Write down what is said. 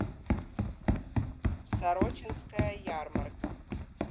сорочинская ярмарка